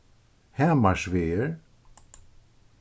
hamarsvegur